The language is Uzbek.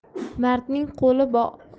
mardning qo'li boqadi